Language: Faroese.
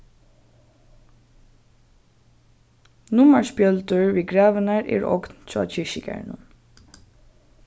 nummarspjøldur við gravirnar eru ogn hjá kirkjugarðinum